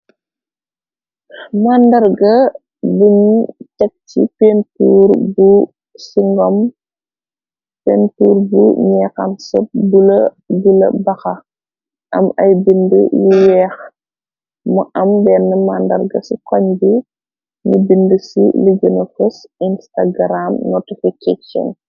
Màndarga bun teag ci pentur bu singom pentur bu ñeexam seb bula bula baxa am ay bind yu yeex mu am benn màndarga ci koñ bi ni bindi ci ligiona fos instagram notification.